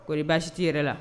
Ko i baasi tɛ i yɛrɛ la